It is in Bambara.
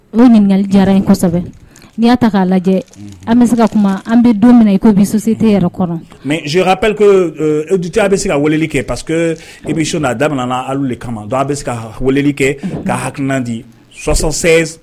O ɲininkali diyara n ye kosɛbɛ! N'i y'a ta k'a lajɛ an bɛ se ka kuma an bɛ don min na i komi bi société yɛrɛ kɔnɔ. Mais je rappelle que auditeurs w a bɛ se ka weeleli kɛ parce que émission nin a daminɛ na alu de kama donc a bɛ se ka weeleli kɛ k'a hakilina di 76